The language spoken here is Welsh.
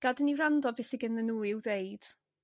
gad i ni wrando be' sy genddyn nhw i'w ddeud.